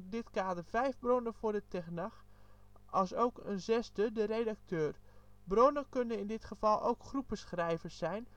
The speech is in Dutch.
dit kader vijf bronnen voor de Tenach, alsook een zesde, de redacteur. Bronnen kunnen in dit geval ook groepen schrijvers zijn